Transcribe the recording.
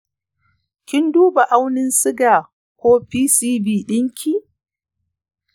kin duba aunin siga ko pcv dinki?